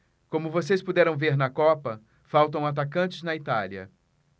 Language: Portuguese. como vocês puderam ver na copa faltam atacantes na itália